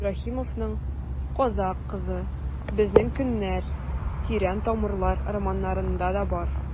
Ибраһимовның «Казакъ кызы», «Безнең көннәр», «Тирән тамырлар» романнарында да бар.